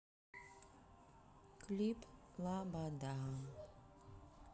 клип лобода